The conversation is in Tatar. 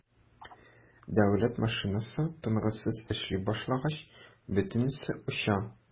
Дәүләт машинасы тынгысыз эшли башлагач - бөтенесе оча.